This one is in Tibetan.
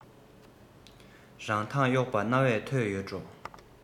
ར ཐང གཡོགས པ རྣ བས ཐོས ཡོད འགྲོ